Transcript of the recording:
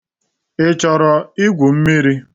Ị chọrọ igwu mmiri?